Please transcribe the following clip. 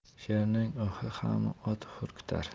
sherning o'hgi ham ot hurkitar